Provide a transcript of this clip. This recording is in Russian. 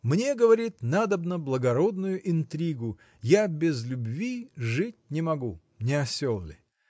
Мне, говорит, надобно благородную интригу я без любви жить не могу! – не осел ли?